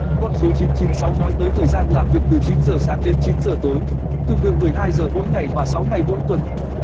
con số nói tới thời gian làm việc từ giờ sáng đến giờ tối tương đương giờ ngày và ngày tuần